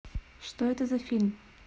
что это за фильм